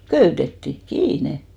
köytettiin kiinni